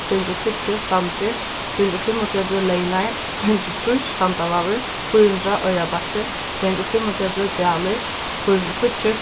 tvey hundrað og tíggju sandur trý hundrað og fimmogtretivu leynar trýss sandavágur fýra hundrað oyrarbakki tvey hundrað og fimmogtretivu dalur fýra hundrað og tíggju